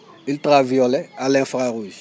ultra violet à infra rouge